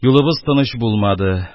Юлыбыз тыныч булмады,